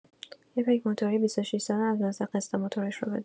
یه پیک موتوری ۲۶ ساله نتونسته قسط موتورش رو بده.